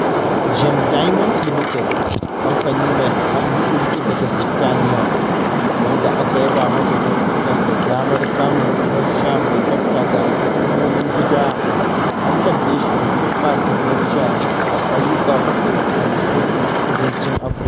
Gem Diamonds Limited, kamfani mai hakar lu'ulu'u daga Birtaniya wanda aka yaba masa don inganta damar samun ruwan sha mai tsafta ga al’ummomin gida, an zarge shi da gurbata ruwan sha a ƙauyuka uku a Lesotho, kudancin Afirka.